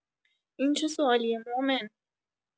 این چه سوالیه مومن؟